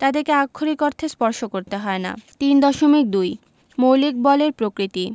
তাদেরকে আক্ষরিক অর্থে স্পর্শ করতে হয় না ৩.২ মৌলিক বলের প্রকৃতি